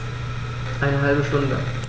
Eine halbe Stunde